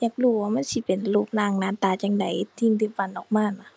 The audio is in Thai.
อยากรู้ว่ามันสิเป็นรูปร่างหน้าตาจั่งใด สิ่งที่ปั้นออกมาน่ะ